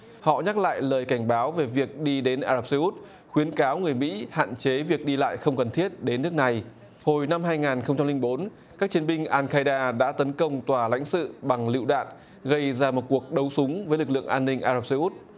họ nhắc lại lời cảnh báo về việc đi đến ả rập xê út khuyến cáo người mỹ hạn chế việc đi lại không cần thiết đến nước này hồi năm hai ngàn không trăm linh bốn các chiến binh an cay đa đã tấn công tòa lãnh sự bằng lựu đạn gây ra một cuộc đấu súng với lực lượng an ninh ả rập xê út